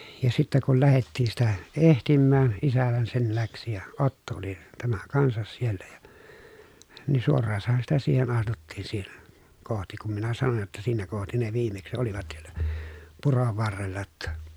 ja sitten kun lähdettiin sitä etsimään isähän sen lähti ja Otto oli tämä kanssa siellä ja niin suoraanhan sitä siihen astuttiin siihen kohti kun minä sanoin jotta siinä kohti ne viimeksi olivat siellä puron varrella jotta